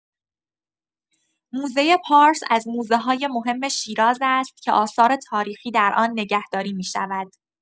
موزه پارس از موزه‌های مهم شیراز است که آثار تاریخی در آن نگهداری می‌شود.